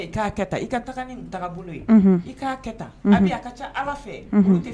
Ca ala fɛ